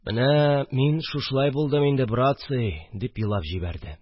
– менә мин шушылай булдым инде, братцы, – дип елап җибәрде